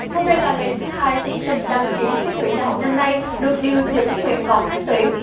hôm nay là ngày thứ hai thí sinh đăng ký xét tuyển đại học năm nay được điều chỉnh nguyện vọng xét tuyển